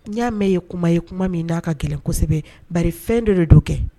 N'a mɛn ye kuma ye kuma min n'a ka kelen kosɛbɛ ba fɛn dɔ de don kɛ